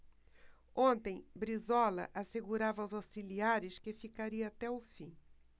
ontem brizola assegurava aos auxiliares que ficaria até o fim